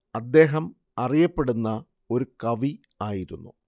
അദ്ദേഹം അറിയപ്പെടുന്ന ഒരു കവി ആയിരുന്നു